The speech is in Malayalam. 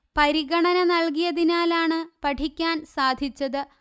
പരിഗണന നല്കിയതിനാലാണ് പഠിക്കാൻസാധിച്ചത്